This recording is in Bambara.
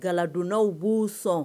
Galadondaw bu sɔn